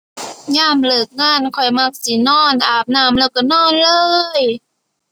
ยามเลิกงานข้อยมักสินอน อาบน้ำแล้วก็นอนเลย